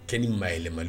Kɛ ni maaɛlɛma